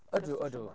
Ydw, ydw.